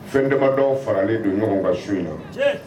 Fɛndamabadɔ faralen don ɲɔgɔn ka su in na, tiɲɛn.